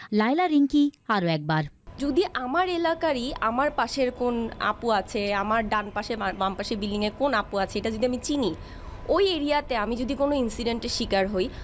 লায়লা রিঙ্কি আরো একবার যদি আমার এলাকারই আমার পাশের কোন আপু আছে আমার ডান পাশে বাম পাশের বিল্ডিং এ কোন আপু আছে এটা যদি আমি চিনি ওই এরিয়াতে আমি যদি কোন ইনসিডেন্ট এর শিকার হই